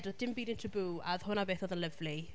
Dedd dim byd yn tabŵ a oedd hwnna beth oedd yn lyfli.